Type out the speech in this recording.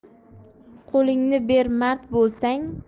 qo'lingni ber mard bo'lsang